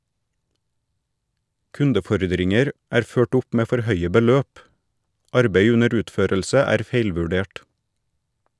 Kundefordringer er ført opp med for høye beløp, arbeid under utførelse er feilvurdert.